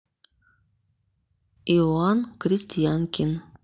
иоанн крестьянкин